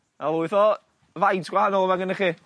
Ma' lwyth o faint gwahanol 'ma gynnych chi.